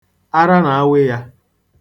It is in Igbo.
Ara na-awị ya.